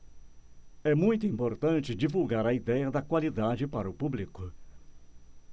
é muito importante divulgar a idéia da qualidade para o público